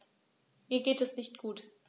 Mir geht es nicht gut.